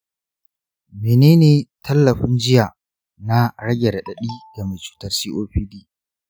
mene ne tallafin jiya na rage radadi ga mai cutar copd?